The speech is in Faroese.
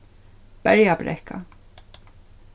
berjabrekka